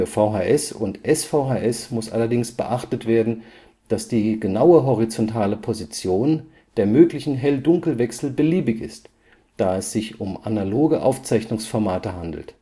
VHS und S-VHS muss allerdings bedacht werden, dass die genaue horizontale Position (Phasenlage) der möglichen Hell-Dunkel-Wechsel beliebig ist, da es sich um analoge Aufzeichnungsformate handelt